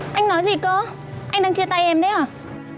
anh nói gì cơ anh đang chia tay em đấy à